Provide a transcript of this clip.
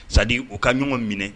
Sa u ka ɲɔgɔn minɛ